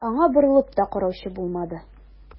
Аңа борылып та караучы булмады.